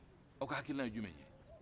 aw ka hakilina ye jumɛn ye